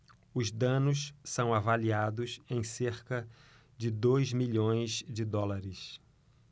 os danos são avaliados em cerca de dois milhões de dólares